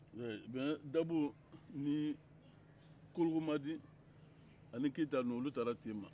eee mɛ dabow ni kologomadi ani keyita ninnu olu taara tema